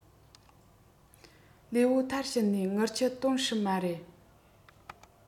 ལུས པོ མཐར ཕྱིན ནས རྔུལ ཆུ དོན སྲིད མ རེད